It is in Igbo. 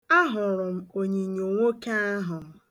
Ahụrụ m onyinyo nwoke ahụ.